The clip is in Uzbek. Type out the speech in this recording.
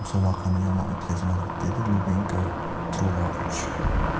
o'tkazmadik dedi lyubinko drulovich